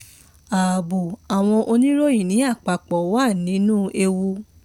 Ààbo àwọn oníròyìn, ní àpapọ̀, wà nínú ewu.